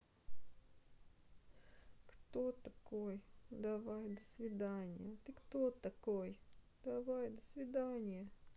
кто такой давай до свидания а ты кто такой давай до свидания